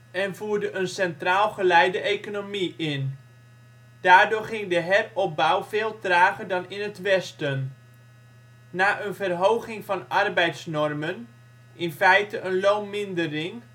en voerde een centraal geleide economie in. Daardoor ging de heropbouw veel trager dan in het Westen. Na een verhoging van arbeidsnormen (in feite een loonmindering